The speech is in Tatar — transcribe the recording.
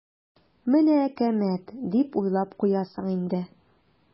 "менә әкәмәт" дип уйлап куясың инде.